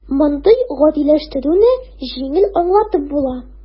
Мондый "гадиләштерү"не җиңел аңлатып була: